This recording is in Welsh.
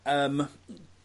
Yym.